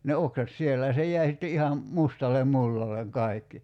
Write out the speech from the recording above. ne oksat siellä ja se jäi sitten ihan mustalle mullalle kaikki